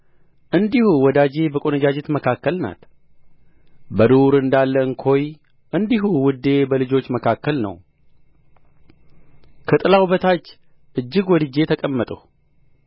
እንዲሁ ወዳጄ በቈነጃጅት መካከል ናት በዱር እንዳለ እንኮይ እንዲሁ ውዴ በልጆች መካከል ነው ከጥላው በታች እጅግ ወድጄ ተቀመጥሁ